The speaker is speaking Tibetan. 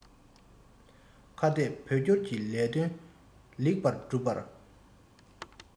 ཁ གཏད བོད སྐྱོར གྱི ལས དོན ལེགས པར སྒྲུབ པར